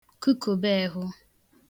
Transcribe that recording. kukobe ehụ